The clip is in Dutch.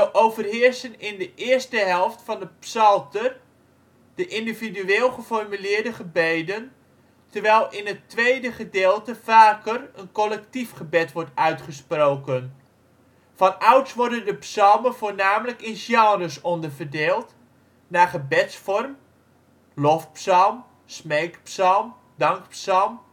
overheersen in de eerste helft van het psalter de individueel geformuleerde gebeden, terwijl in het tweede gedeelte vaker een collectief gebed wordt uitgesproken. Vanouds worden de psalmen voornamelijk in genres onderverdeeld: naar gebedsvorm: lofpsalm, smeekpsalm, dankpsalm